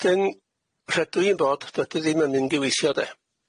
Wedyn rhedw i'n bod dydi ddim yn mynd i weithio de.